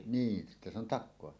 niin sitten se on takaa